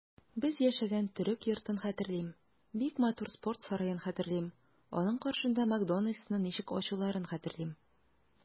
Без яшәгән төрек йортын хәтерлим, бик матур спорт сараен хәтерлим, аның каршында "Макдоналдс"ны ничек ачуларын хәтерлим.